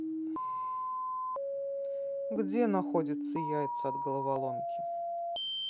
где находится яйца от головоломки